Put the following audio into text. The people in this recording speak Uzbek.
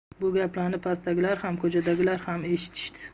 bu gaplarni pastdagilar ham ko'chadagilar ham eshitishdi